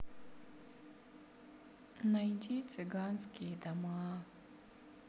найди цыганские дома